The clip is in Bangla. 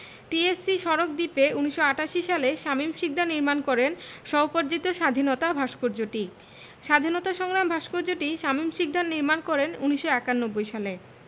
টিএসসি সড়ক দ্বীপে ১৯৮৮ সালে শামীম শিকদার নির্মাণ করেন স্বউপার্জিত স্বাধীনতা ভাস্কর্যটি স্বাধীনতা সংগ্রাম ভাস্কর্যটি শামীম শিকদার নির্মাণ করেন ১৯৯১ সালে